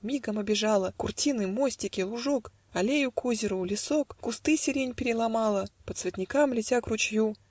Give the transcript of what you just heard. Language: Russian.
мигом обежала Куртины, мостики, лужок, Аллею к озеру, лесок, Кусты сирен переломала, По цветникам летя к ручью.